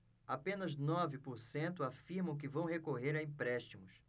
apenas nove por cento afirmam que vão recorrer a empréstimos